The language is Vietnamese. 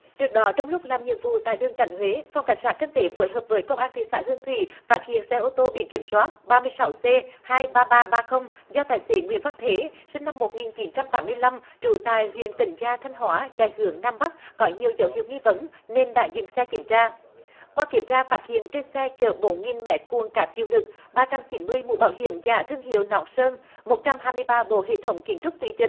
trước đó trong lúc làm nhiệm vụ tại đường tránh huế phòng cảnh sát kinh tế phối hợp với công an thị xã hương thủy phát hiện xe ô tô bị kiểm soát ba mươi sáu cê hai ba ba ba không do tài xế nguyễn văn thế sinh năm một nghìn chín trăm tám mươi lăm trú tại huyện tĩnh gia thanh hóa chạy hướng nam bắc có nhiều dấu hiệu nghi vấn nên đã dừng xe kiểm tra qua kiểm tra phát hiện trên xe chở bốn nghìn mét vuông cáp chịu lực ba trăm chín mươi mũ bảo hiểm giả thương hiệu nón sơn một trăm hai mươi ba bộ hệ thống kiến trúc tùy chỉnh